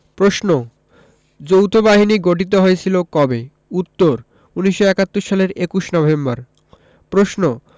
প্রশ্ন যৌথবাহিনী গঠিত হয়েছিল কবে উত্তর ১৯৭১ সালের ২১ নভেম্বর প্রশ্ন